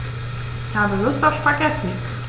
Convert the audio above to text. Ich habe Lust auf Spaghetti.